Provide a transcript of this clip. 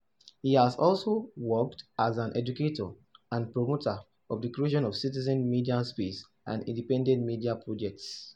He has also worked as an educator and promoter of the creation of citizen media spaces and independent media projects.